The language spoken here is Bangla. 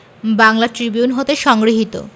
বাংলা ট্রিবিউন হতে সংগৃহীত